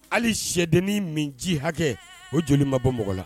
Hali sɛdennin min ji hakɛ, o joli ma bɔ mɔgɔ la.